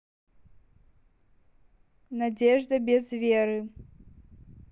надежда без веры